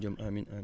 Diome amiin amiin